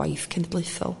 gwaith cenedlaethol